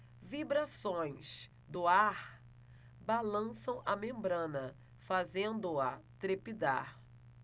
vibrações do ar balançam a membrana fazendo-a trepidar